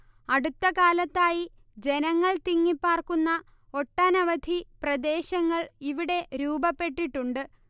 അടുത്തകാലത്തായി ജനങ്ങൾ തിങ്ങിപ്പാർക്കുന്ന ഒട്ടനവധി പ്രദേശങ്ങൾ ഇവിടെ രൂപപ്പെട്ടിട്ടുണ്ട്